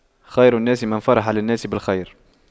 خير الناس من فرح للناس بالخير